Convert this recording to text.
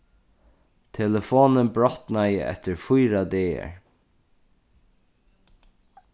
telefonin brotnaði eftir fýra dagar